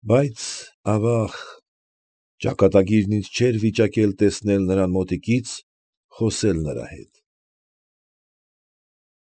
Բայց, ավաղ, ճակատագիրն ինձ չէր վիճակել տեսնել նրան մոտիկից, խոսել նրա հետ…